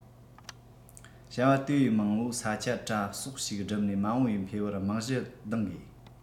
བྱ བ དེ བས མང བོ ས ཆ གྲབས གསོག ཞིག སྒྲུབ ནས མ འོངས བའི འཕེལ བར རྨང གཞི གདིང དགོས